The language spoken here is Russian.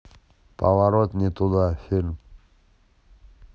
поворот не туда фильм